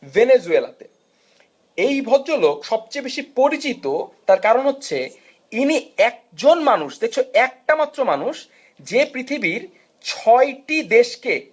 Venezuela এই ভদ্রলোক সবচেয়ে বেশি পরিচিত তার কারণ হচ্ছে তিনি একজন মানুষ দেখছো একজন মানুষ একটা মাত্র মানুষ যে পৃথিবীর ৬ টি দেশকে